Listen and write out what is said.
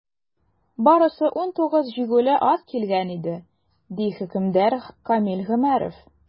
Барысы 19 җигүле ат килгән иде, - ди хөкемдар Камил Гомәров.